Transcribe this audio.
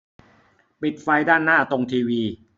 ปิดไฟด้านหน้าตรงทีวี